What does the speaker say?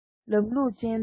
ལམ ལུགས ཅན དང